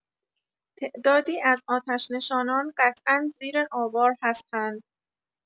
تعدادی از آتش‌نشانان قطعا زیر آوار هستند